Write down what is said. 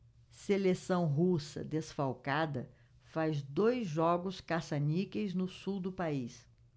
seleção russa desfalcada faz dois jogos caça-níqueis no sul do país